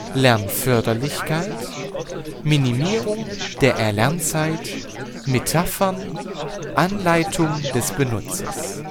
Lernförderlichkeit – Minimierung der Erlernzeit, Metaphern, Anleitung des Benutzers